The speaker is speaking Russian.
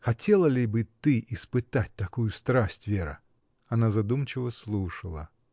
Хотела ли бы ты испытать такую страсть, Вера? Она задумчиво слушала.